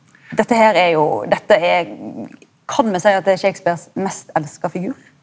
dette her er jo dette er kan me seie at det er Shakespeares mest elska figur?